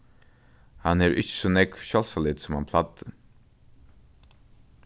hann hevur ikki so nógv sjálvsálit sum hann plagdi